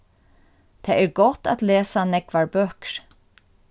tað er gott at lesa nógvar bøkur